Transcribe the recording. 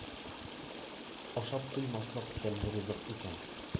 Ашап туймаслык тәмле ризык икән.